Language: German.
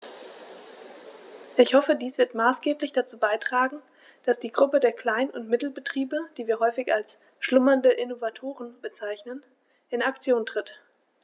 Ich hoffe, dies wird maßgeblich dazu beitragen, dass die Gruppe der Klein- und Mittelbetriebe, die wir häufig als "schlummernde Innovatoren" bezeichnen, in Aktion tritt.